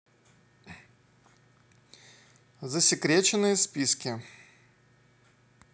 засекреченные списки